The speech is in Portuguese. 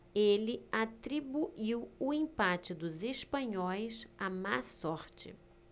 ele atribuiu o empate dos espanhóis à má sorte